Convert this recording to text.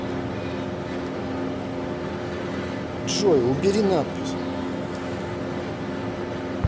джой убери надпись